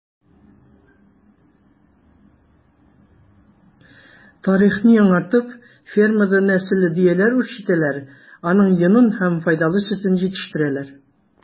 Тарихны яңартып фермада нәселле дөяләр үчретәләр, аның йонын һәм файдалы сөтен җитештерәләр.